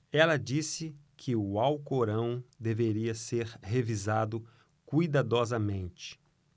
ela disse que o alcorão deveria ser revisado cuidadosamente